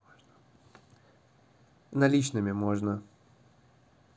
наличными можно